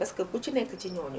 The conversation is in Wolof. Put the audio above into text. parce que bu ci nekk ci ñooñu